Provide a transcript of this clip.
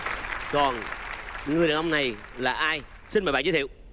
còn người đàn ông này là ai xin mời bạn giới thiệu